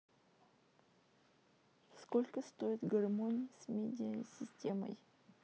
сколько стоит гармонь с медиасистемой